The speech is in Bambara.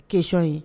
Question ye